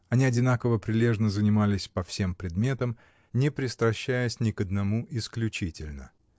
Они одинаково прилежно занимались по всем предметам, не пристращаясь ни к одному исключительно.